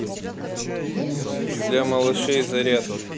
для малышей зарядка